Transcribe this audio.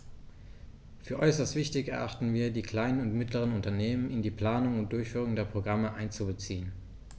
Für äußerst wichtig erachten wir, die kleinen und mittleren Unternehmen in die Planung und Durchführung der Programme einzubeziehen.